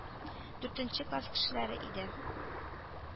Дүртенче класс кешеләре иде.